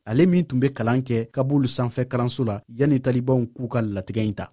ale min tun bɛ kalan kɛ kabul sanfɛkalanso la yanni talibanw k'u ka latigɛ in ta